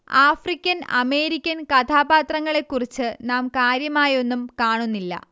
African American കഥാപാത്രങ്ങളെക്കുറിച്ച് നാം കാര്യമായൊന്നും കാണുന്നില്ല